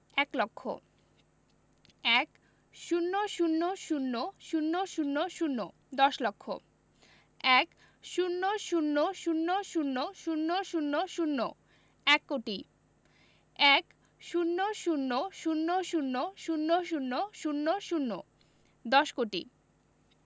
এক লক্ষ ১০০০০০০ দশ লক্ষ ১০০০০০০০ এক কোটি ১০০০০০০০০ দশ কোটি